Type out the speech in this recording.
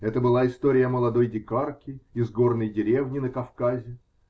Это была история молодой дикарки из горной деревни на Кавказе.